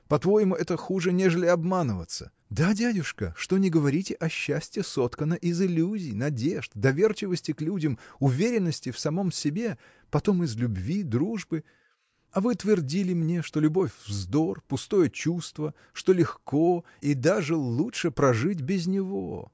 По-твоему, это хуже, нежели обманываться? – Да дядюшка что ни говорите а счастье соткано из иллюзий надежд доверчивости к людям уверенности в самом себе потом из любви дружбы. А вы твердили мне что любовь – вздор пустое чувство что легко и даже лучше прожить без него